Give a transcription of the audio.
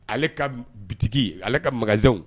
Ale ka b boutique ale ka magasin w